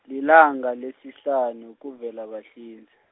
lilanga lesihlanu, kuVelabahlinze.